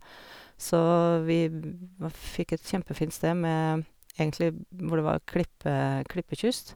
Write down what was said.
Så vi va fikk et kjempefint sted med egentlig bm hvor det var klippe klippekyst.